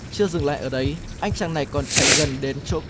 chưa dừng lại ở đấy anh chàng này còn chạy gần đến chỗ